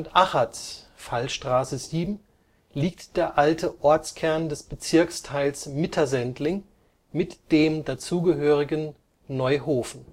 Achaz (Fallstraße 7) liegt der alte Ortskern des Bezirksteils Mittersendling mit dem dazugehörigen Neuhofen